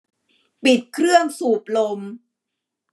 ปิดเครื่องสูบลม